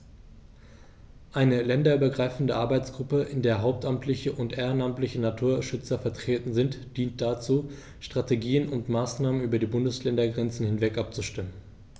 Eine länderübergreifende Arbeitsgruppe, in der hauptamtliche und ehrenamtliche Naturschützer vertreten sind, dient dazu, Strategien und Maßnahmen über die Bundesländergrenzen hinweg abzustimmen.